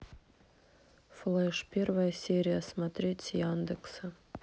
флэш первая серия смотреть с яндекса